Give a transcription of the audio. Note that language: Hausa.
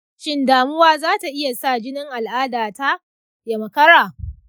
shin damuwa za ta iya sa jinin al'adata ya makara?